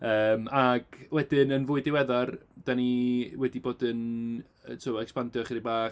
Yym ac wedyn yn fwy diweddar, dan ni wedi bod yn yy tibod ecspandio chydig bach.